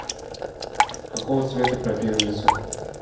какого цвета крапивница